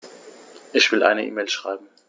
Ich will eine E-Mail schreiben.